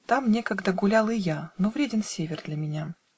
Там некогда гулял и я: Но вреден север для меня .